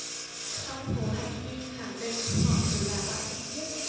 song hồ hạnh nhi khẳng định họ chỉ là bạn thân thiết